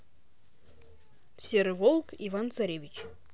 серый волк иван царевич